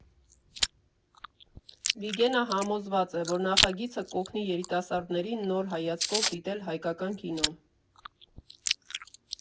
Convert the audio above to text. Վիգենը համոզված է, որ նախագիծը կօգնի երիտասարդներին նոր հայացքով դիտել հայկական կինոն.